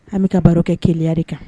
An bɛ ka baro kɛ keya de kan